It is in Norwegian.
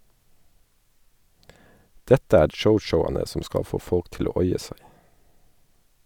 Dette er chow-chowane som skal få folk til å oia seg.